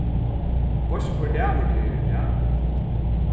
veitst tú hvør dagur tað er í dag